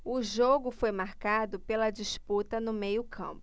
o jogo foi marcado pela disputa no meio campo